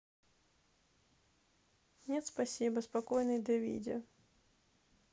нет спасибо спокойной давиде